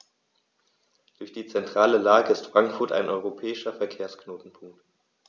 Durch die zentrale Lage ist Frankfurt ein europäischer Verkehrsknotenpunkt.